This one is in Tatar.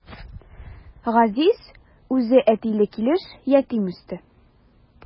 Газиз үзе әтиле килеш ятим үсте.